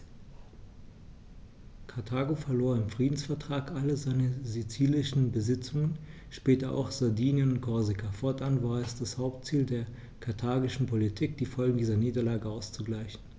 Karthago verlor im Friedensvertrag alle seine sizilischen Besitzungen (später auch Sardinien und Korsika); fortan war es das Hauptziel der karthagischen Politik, die Folgen dieser Niederlage auszugleichen.